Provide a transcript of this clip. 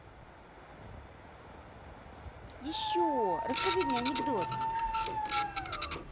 еще расскажи мне анекдот